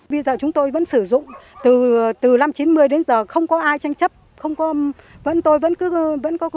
bây giờ chúng tôi vẫn sử dụng từ từ năm chín mươi đến giờ không có ai tranh chấp không có vẫn tôi vẫn cứ vẫn có